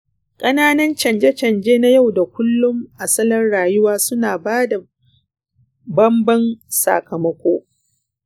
ƙananan canje-canje na yau da kullun a salon rayuwa suna bada baban sakamako.